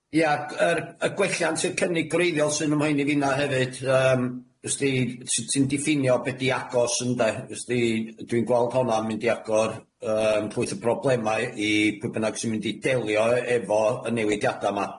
Ia, g- yr y gwelliant i'r cynnig g'reiddiol sy'n ym mhoeni finna' hefyd. Yym, 'y's ti, sut ti'n diffinio be' 'di agos, ynde. 'Y's ti, dwi'n gweld honna'n mynd i agor yym llwyth o broblema' i pwy bynnag sy'n mynd i delio efo y newidiada 'ma.